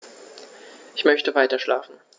Ich möchte weiterschlafen.